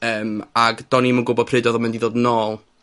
Yym, ag do'n i'm yn gwbod pryd odd o'n mynd i dod nôl.